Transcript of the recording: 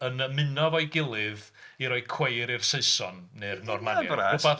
..yn ymuno efo'i gilydd i roi cweir i'r Saeson neu'r Normaniaid?